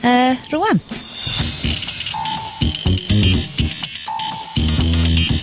yy rŵan.